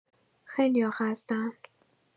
خیلی‌ها خسته‌اند!